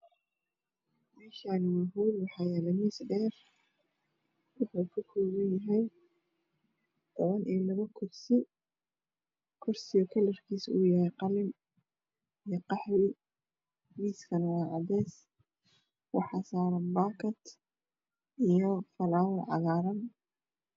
Meeshaan waa hool waxaa yaalo miis dheer waxuu ka kooban yahay toban iyo labo kursi. Kursi kalarkiisu yahay qalin iyo qaxwi. miiskana waa cadeys waxaa saaran baakad iyo faloowar cagaaran.